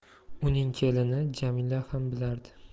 uning kelini jamila ham bilardi